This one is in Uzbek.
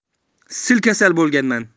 sil kasal bo'lganman